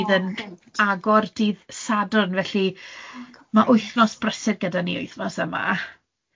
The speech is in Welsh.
...sydd yn agor dydd Sadwrn, felly ma' wythnos brysur gyda ni wythnos yma.